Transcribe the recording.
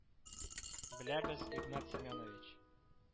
Беләбез, Игнат Семенович